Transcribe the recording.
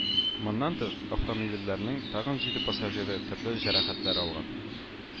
Моннан тыш, автомобильләрнең тагын җиде пассажиры төрле җәрәхәтләр алган